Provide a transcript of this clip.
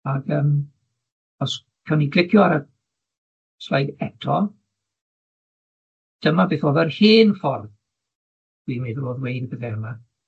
ag yym os cawn ni glicio ar y sleid eto, dyma beth o'dd yr hen ffordd dwi'n meddwl o ddweud y pethe yma.